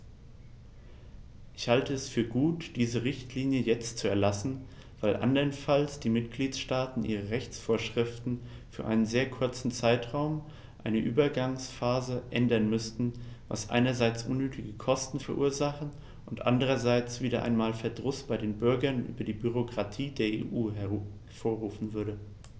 Ich halte es für gut, diese Richtlinie jetzt zu erlassen, weil anderenfalls die Mitgliedstaaten ihre Rechtsvorschriften für einen sehr kurzen Zeitraum, eine Übergangsphase, ändern müssten, was einerseits unnötige Kosten verursachen und andererseits wieder einmal Verdruss bei den Bürgern über die Bürokratie der EU hervorrufen würde.